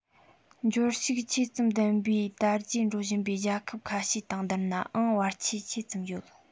འབྱོར ཕྱུག ཆེ ཙམ ལྡན པའི དར རྒྱས འགྲོ བཞིན པའི རྒྱལ ཁབ ཁ ཤས དང བསྡུར ནའང བར ཁྱད ཆེ ཙམ ཡོད